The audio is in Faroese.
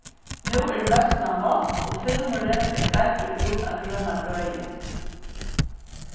nú er møsnað nokk og filmurin er breiddur út á grøna bøin